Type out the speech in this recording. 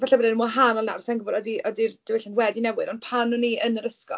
Falle bod e'n wahanol nawr, sa i'n gwybod odi odi'r diwylliant wedi newid, ond pan o'n ni yn yr ysgol...